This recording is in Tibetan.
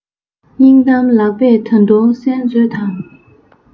སྙིང གཏམ ལགས པས ད དུང གསན མཛོད དང